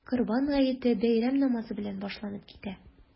Корбан гаете бәйрәм намазы белән башланып китә.